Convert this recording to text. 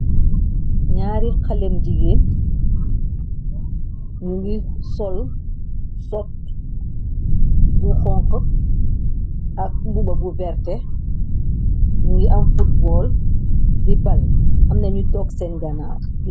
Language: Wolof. Ñaari xalèh yu jigeen ñugii sol sót bu xonxu ak mbuba bu werta, ñu ngi ameh futbol di bal. Am na ñu tóóg sèèn ganaw.